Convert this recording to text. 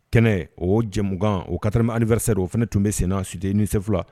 Kɛnɛ o jɛmukan o karma alifarisɛ o fana tun bɛ senna sute nif fila